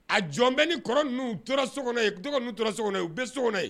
A jɔn bɛ ni kɔrɔ u tora so tora so u bɛ so kɔnɔ yen